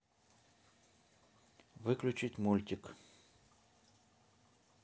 выключить мультик